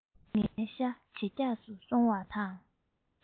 ངའི ཤ ཇེ རྒྱགས སུ སོང བ དང